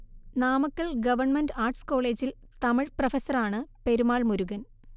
Namakkal government arts കോളേജിൽ തമിഴ് പ്രഫസറാണ് പെരുമാൾ മുരുഗൻ